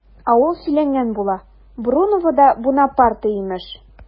Ә ул сөйләнгән була, Бруновода Бунапарте имеш!